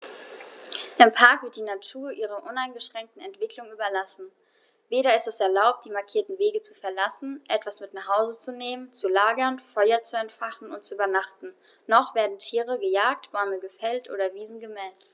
Im Park wird die Natur ihrer uneingeschränkten Entwicklung überlassen; weder ist es erlaubt, die markierten Wege zu verlassen, etwas mit nach Hause zu nehmen, zu lagern, Feuer zu entfachen und zu übernachten, noch werden Tiere gejagt, Bäume gefällt oder Wiesen gemäht.